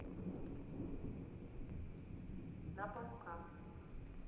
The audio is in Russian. на пука